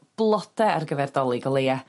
blode ar gyfer 'Dolig o leia.